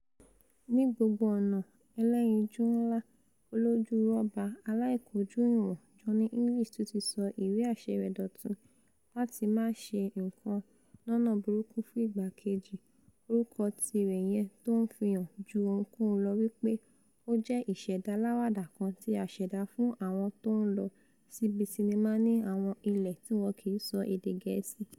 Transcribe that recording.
Ní gbogbo ọ̀nà, ẹlẹ́yinjú-ńlá, olójú-rọ́bà aláìkójú-ìwọ̀n Johnny English ti tún ṣọ ìwé-àṣẹ rẹ̀ dọ̀tun láti máaṣe nǹkan lọ́nà burúkú fún ìgbà kejì - orúkọ tirẹ̀ yẹn tó ńfihàn ju ohunkohun lọ wí pé ó jẹ́ ìṣẹ̀dá aláwàdà kan tí a ṣẹ̀dá fún àwọn tó ńlọ síbi sinnimá ní àwọn ilẹ̀ tíwọn kìí sọ èdè Gẹ̀ẹ́sì.